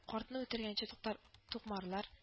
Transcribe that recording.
Картны үтергәнче туктар тукмарлар